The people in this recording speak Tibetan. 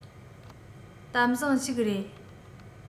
གཏམ བཟང ཞིག རེད